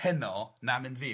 heno na'm yn fi.